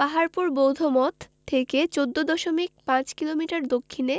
পাহাড়পুর বৌদ্ধমঠ থেকে ১৪দশমিক ৫ কিলোমিটার দক্ষিণে